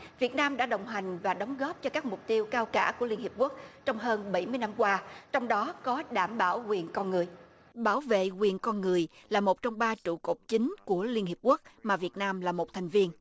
việt nam đã đồng hành và đóng góp cho các mục tiêu cao cả của liên hiệp quốc trong hơn bảy mươi năm qua trong đó có đảm bảo quyền con người bảo vệ quyền con người là một trong ba trụ cột chính của liên hiệp quốc mà việt nam là một thành viên